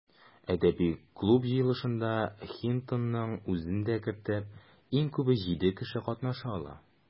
Әдәби клуб җыелышында, Хинтонның үзен дә кертеп, иң күбе җиде кеше катнаша ала.